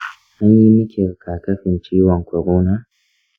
anyi miki rigakafin ciwon corona?